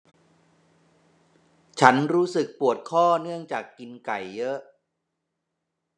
ฉันรู้สึกปวดข้อเนื่องจากกินไก่เยอะ